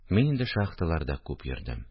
Мин инде шахталарда күп йөрдем